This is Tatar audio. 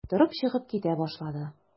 Торып чыгып китә башлады.